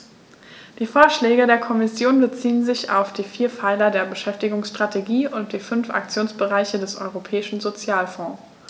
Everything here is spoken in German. Die Vorschläge der Kommission beziehen sich auf die vier Pfeiler der Beschäftigungsstrategie und die fünf Aktionsbereiche des Europäischen Sozialfonds.